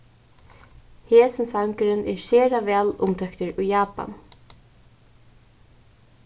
hesin sangurin er sera væl umtóktur í japan